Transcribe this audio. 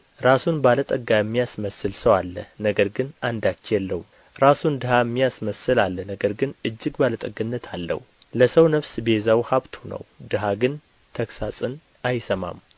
ራሱን ባለጠጋ የሚያስመስል ሰው አለ ነገር ግን አንዳች የለውም ራሱን ድሀ የሚያስመስል አለ ነገር ግን እጅግ ባለጠግነት አለው ለሰው ነፍስ ቤዛው ሀብቱ ነው ድሀ ግን ተግሣጽን አይሰማም